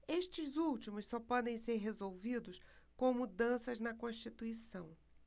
estes últimos só podem ser resolvidos com mudanças na constituição